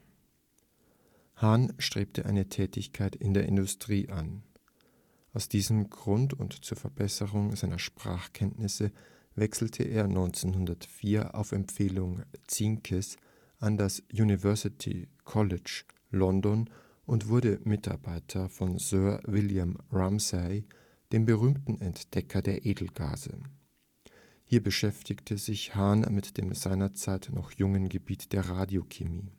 Hahn strebte eine Tätigkeit in der Industrie an. Aus diesem Grund und zur Verbesserung seiner Sprachkenntnisse wechselte er 1904 auf Empfehlung Zinckes an das University College London und wurde Mitarbeiter von Sir William Ramsay, dem berühmten Entdecker der Edelgase. Hier beschäftigte sich Hahn mit dem seinerzeit noch jungen Gebiet der Radiochemie